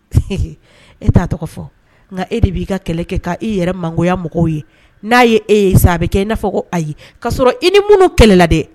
E t'a tɔgɔ fɔ nka e de b'i ka kɛlɛ kɛ k' i yɛrɛ mangoya mɔgɔw ye n'a ye, e ye sa a bɛ kɛ i n'a fɔ ko ayi, ka sɔrɔ i ni minnu kɛlɛla dɛ